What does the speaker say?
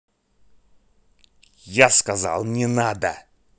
я сказал не надо